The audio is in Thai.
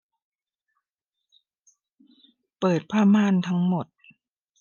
เปิดผ้าม่านทั้งหมด